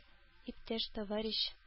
Иптәш-товарищ